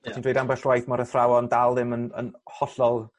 fel ti'n dweud ambell waith ma'r athrawon dal ddim yn yn hollol